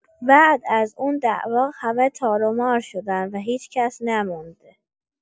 بعد از اون دعوا، همه تارومار شدن و هیچ‌کس نموند!